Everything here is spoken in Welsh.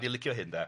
dwi'n licio hyn de.